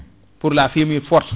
pour la fumiée forte